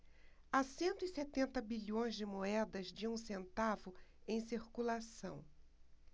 há cento e setenta bilhões de moedas de um centavo em circulação